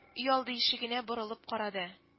Өйалды ишегенә борылып карады